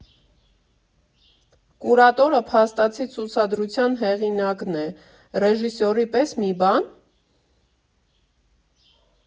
Կուրատորը փաստացի ցուցադրության հեղինա՞կն է, ռեժիսորի պես մի բա՞ն։